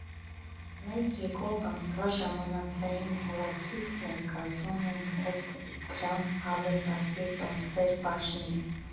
Մեր եկող ամսվա ժամանցային օրացույցն էլ կազմում ենք ըստ Իդրամ հավելվածի «Տոմսեր» բաժնի։